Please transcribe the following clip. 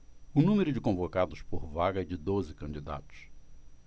o número de convocados por vaga é de doze candidatos